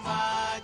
H